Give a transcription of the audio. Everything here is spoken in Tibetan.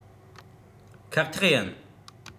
ཁག ཐེག ཡིན